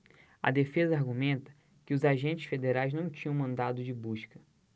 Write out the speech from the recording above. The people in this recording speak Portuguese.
a defesa argumenta que os agentes federais não tinham mandado de busca